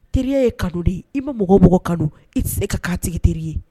Teriya ye kanu de ye i ma mɔgɔ o mɔgɔ kanu i ti se ka k'a tigi teri ye